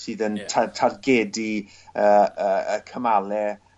sydd yn tar- targedu yy y y cymale